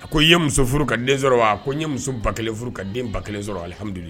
A ko i ye muso furu ka den sɔrɔ wa a n ye muso ba kelen furu ka den ba kelen sɔrɔ alihamdu